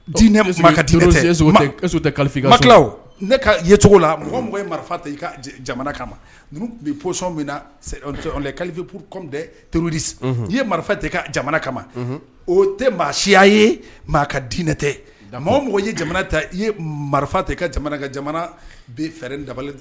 Dinɛ tɛ kalifin ma kilaw ne ka cogo la mɔgɔ mɔgɔ ye marifa jamana kama bɛsɔn min na kalifa kalifi puru comte toururisi i ye marifa tɛ ka jamana kama o tɛ maa siya ye maa ka dinɛ tɛ mɔgɔ mɔgɔ ye jamana ta i ye marifa tɛ ka jamana ka jamana bi fɛɛrɛ dabali